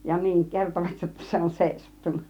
ja niin kertovat jotta se on seisahtunut